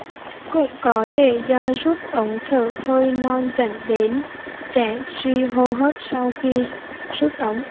cũng có thể do rút ống thở hơi non dẫn đến trẻ suy hô hấp sau khi rút ống